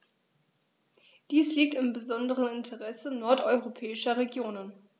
Dies liegt im besonderen Interesse nordeuropäischer Regionen.